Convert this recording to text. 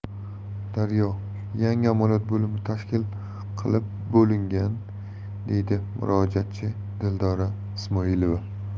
daryo yangi amaliyot bo'limi tashkil qilib bo'lingan deydi murojaatchi dildora ismoilova